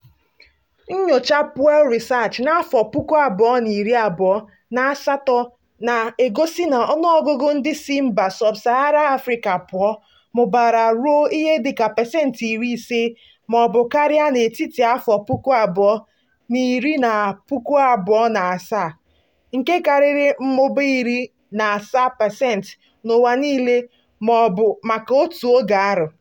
"Nnyocha Pew Research n'afọ puku abụọ na iri abụọ na asatọ na-egosi na ọnụọgụgụ ndị si mba sub-Sahara Afrịka pụọ "mụbara ruo ihe dịka pasenti iri ise mọọbụ karịa n'etiti afọ puku abụọ na iri na puku abụọ na asaa, nke karịrị mmụba iri na asaa pasenti n'ụwa niile maka otu oge ahụ."